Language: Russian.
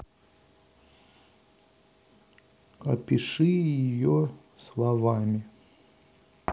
опиши ее словами